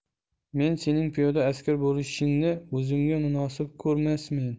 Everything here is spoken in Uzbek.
men sening piyoda askar bo'lishingni o'zimga munosib ko'rmasmen